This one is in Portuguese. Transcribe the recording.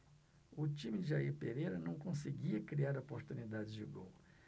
o time de jair pereira não conseguia criar oportunidades de gol